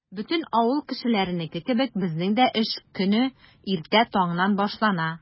Бөтен авыл кешеләренеке кебек, безнең дә эш көне иртә таңнан башлана.